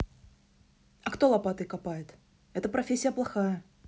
а кто лопатой копает это профессия плохая